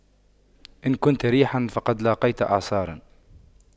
إن كنت ريحا فقد لاقيت إعصارا